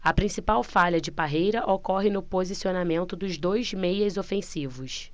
a principal falha de parreira ocorre no posicionamento dos dois meias ofensivos